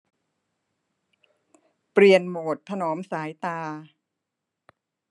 เปลี่ยนโหมดถนอมสายตา